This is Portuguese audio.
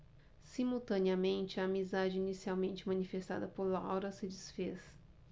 simultaneamente a amizade inicialmente manifestada por laura se disfez